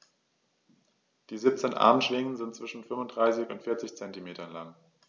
Die 17 Armschwingen sind zwischen 35 und 40 cm lang.